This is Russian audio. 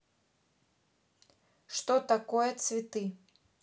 что такое цветы